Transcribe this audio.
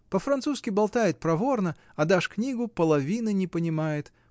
По-французски болтает проворно, а дашь книгу, половины не понимает